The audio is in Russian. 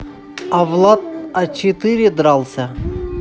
а влад а четыре дрался